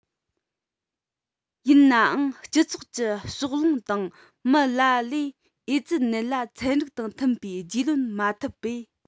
ཡིན ནའང སྤྱི ཚོགས ཀྱི ཕྱོགས ལྷུང དང མི ལ ལས ཨེ ཙི ནད ལ ཚན རིག དང མཐུན པའི རྒྱུས ལོན མ ཐུབ པས